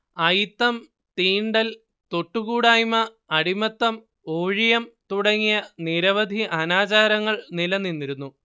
അയിത്തം തീണ്ടൽ തൊട്ടുകൂടായ്മ അടിമത്തം ഊഴിയം തുടങ്ങി നിരവധി അനാചാരങ്ങൾ നിലനിന്നിരുന്നു